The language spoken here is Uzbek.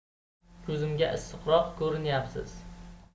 ko'zimga issiqroq ko'rinyapsiz